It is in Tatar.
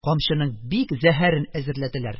Камчының бик зәһәрен әзерләделәр.